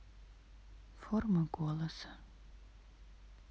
формы голоса